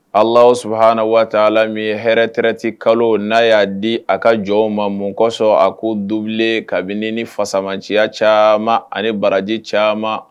Ala su h waata min hɛrɛreti kalo n'a y'a di a ka jɔ ma mun kosɔn a ko don kabini ni fasamatiya caman ani baraji caman